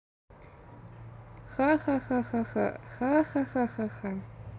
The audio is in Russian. хахаха хахаха